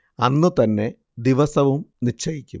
അന്നുതന്നെ ദിവസവും നിശ്ചയിക്കും